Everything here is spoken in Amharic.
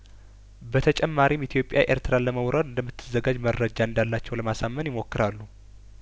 በተጨማሪም ኢትዮጵያ ኤርትራን ለመውረር እንደምት ዘጋጅ መረጃ እንዳላቸው ለማሳመን ይሞ ክራሉ